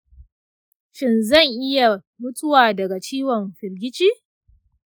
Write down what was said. shin zan iya mutuwa daga ciwon firgici?